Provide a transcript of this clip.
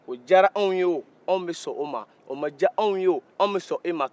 o diyara n ye o an bɛ sɔn o ma o madiya an ye o an bɛ sɔn o ma